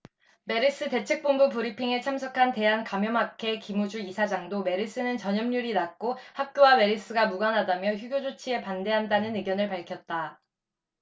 메르스 대책본부 브리핑에 참석한 대한감염학회 김우주 이사장도 메르스는 전염률이 낮고 학교와 메르스가 무관하다며 휴교 조치에 반대한다는 의견을 밝혔다